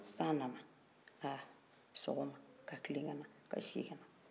san nana sɔgɔma ka tile ka na ka si ka na